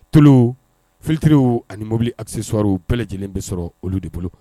Tulu filtre u ani mobili accessoires u u bɛɛ lajɛlen bɛ sɔrɔ olu de bolo